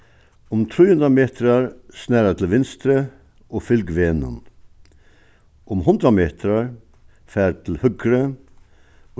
um trý hundrað metrar snara til vinstru og fylg vegnum um hundrað metur far til høgru